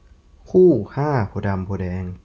คู่ห้าโพธิ์ดำโพธิ์แดง